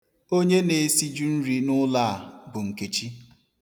Onye na-esiju nri n'ụlọ a bụ Nkechi.